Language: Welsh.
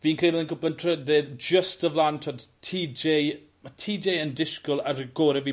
Fi'n credu fydd e'n gwpla'n trydydd jyst o flan t'wod Tejay ma' Tejay yn disgwl ar y gore' fi